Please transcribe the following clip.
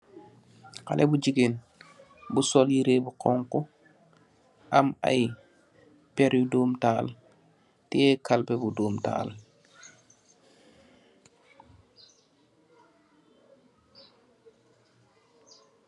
Xalèh bu gigeen bu sol yirèh bu xonxu am ay perri doom tahal, teyeh kalpèh bu doom tahal .